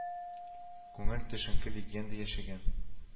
Күңел төшенке легендә яшәгән